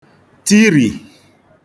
tirì